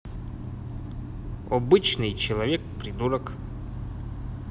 обычный человек придурок